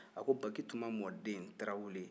a ko bakituman mɔden tarawele